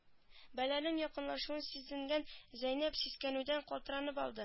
Бәланең якынлашуын сизенгән зәйнәп сискәнүдән калтыранып алды